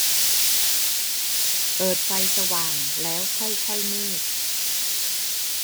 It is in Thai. เปิดไฟสว่างแล้วค่อยค่อยมืด